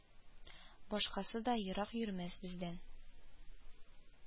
Башкасы да ерак йөрмәс бездән